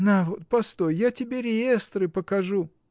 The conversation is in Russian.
На вот, постой, я тебе реестры покажу.